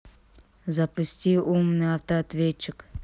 запусти умный автоответчик